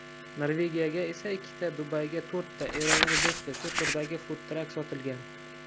norvegiyaga esa ikkita dubayga to'rtta eronga beshta shu turdagi fudtrak sotilgan